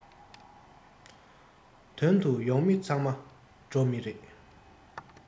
དོན དུ ཡོང མི ཚང མ འགྲོ མི རེད